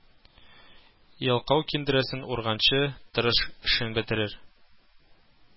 Ялкау киндерәсен ураганчы, тырыш эшен бетерер